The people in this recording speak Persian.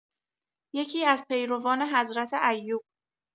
یکی‌از پیروان حضرت ایوب